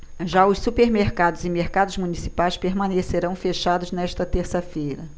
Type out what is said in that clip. já os supermercados e mercados municipais permanecerão fechados nesta terça-feira